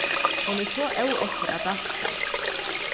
hon er so óð eftir at dansa